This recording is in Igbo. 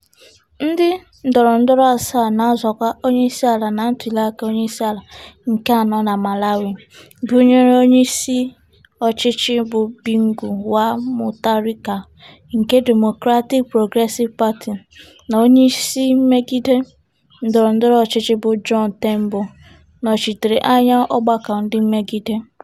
Ndị ndọrọndọrọ asaa na-azọ ọkwa onyeisiala na ntuliaka onyeisiala nke anọ na Malawi, gụnyere onyeisi ọchịchị bụ Bingu wa Mutharika nke Democratic Progressive Party na onyeisi mmegide ndọrọndọrọ ọchịchị bụ John Tembo, nọchitere anya ọgbakọ ndị mmegide.